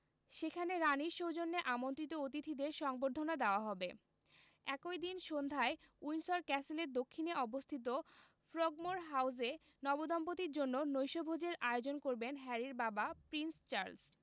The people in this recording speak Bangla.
সেখানে রানির সৌজন্যে আমন্ত্রিত অতিথিদের সংবর্ধনা দেওয়া হবে একই দিন সন্ধ্যায় উইন্ডসর ক্যাসেলের দক্ষিণে অবস্থিত ফ্রোগমোর হাউসে নবদম্পতির জন্য নৈশভোজের আয়োজন করবেন হ্যারির বাবা প্রিন্স চার্লস